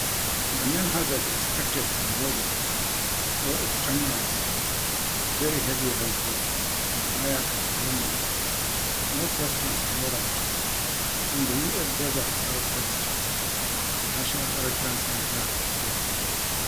"The main hazard expected from Rosa or its remnants is very heavy rainfall in Baja California, northwestern Sonora, and the U.S. Desert Southwest," the National Hurricane Center said.